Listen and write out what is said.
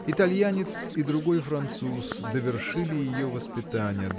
Итальянец и другой француз довершили ее воспитание